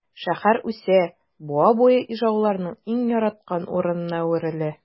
Шәһәр үсә, буа буе ижауларның иң яраткан урынына әверелә.